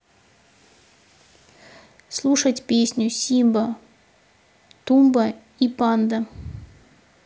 слушать песню симба пумба и панда